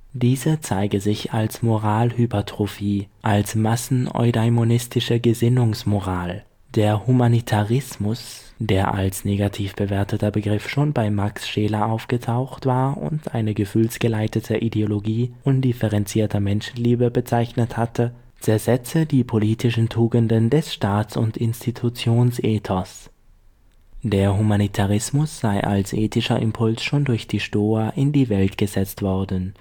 Diese zeige sich als „ Moralhypertrophie “, als „ masseneudaimonistische Gesinnungsmoral “. Der Humanitarismus (der als negativ bewerteter Begriff schon bei Max Scheler aufgetaucht war und eine gefühlsgeleitete Ideologie undifferenzierter Menschenliebe bezeichnet hatte) zersetze die politischen Tugenden, das Staats - und Institutionenethos. Der Humanitarismus sei als ethischer Impuls schon durch die Stoa in die Welt gesetzt worden